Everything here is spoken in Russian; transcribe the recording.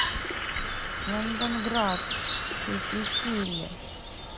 лондонград третья серия